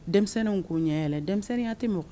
Denmisɛnninw ko ɲɛ la denmisɛnninya tɛ